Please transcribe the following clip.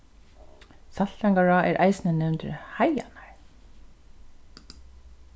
saltangará er eisini nevndur heiðarnar